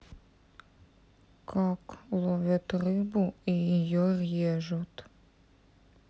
как ловят рыбу и ее режут